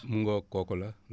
mu ngoog kooku la